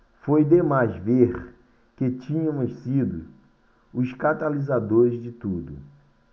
foi demais ver que tínhamos sido os catalisadores de tudo